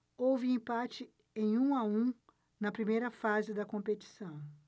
houve empate em um a um na primeira fase da competição